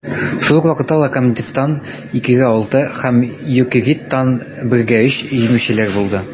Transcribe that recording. Шул ук вакытта "Локомотив"тан (2:6) һәм "Йокерит"тан (1:3) җиңелүләр булды.